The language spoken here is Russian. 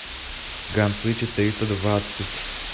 гонцы четыреста двадцать